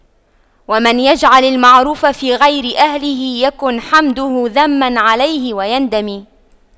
ومن يجعل المعروف في غير أهله يكن حمده ذما عليه ويندم